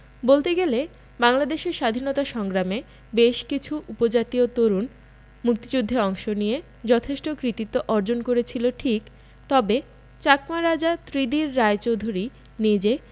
বলতে গেলে বাংলাদেশের স্বাধীনতা সংগ্রামে বেশকিছু উপজাতীয় তরুণ মুক্তিযুদ্ধে অংশ নিয়ে যথেষ্ট কৃতিত্ব অর্জন করেছিল ঠিক তবে চাকমা রাজা ত্রিদির রায় চৌধুরী নিজে